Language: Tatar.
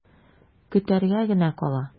Көтәргә генә кала.